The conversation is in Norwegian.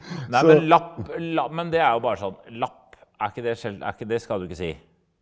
nei men lapp men det er jo bare sånn lapp er ikke det er ikke det skal du ikke si.